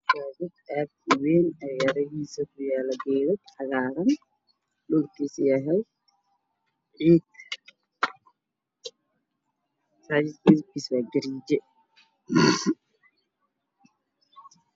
Waxaa ii muuqda guryo waxaa ku yaalla masaajid oo leh minnaarad aada u dheer guryaha midafkoodu waa madow